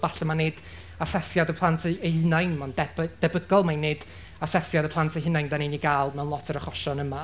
Efallai mai nid asesiad y plant ei... eu hunain. Mae'n deby- debygol mai nid asesiad y plant eu hunain dan ni'n ei gael mewn lot o'r achosion yma.